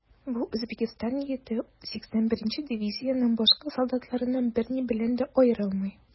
Бу Үзбәкстан егете 81 нче дивизиянең башка солдатларыннан берни белән дә аерылмый.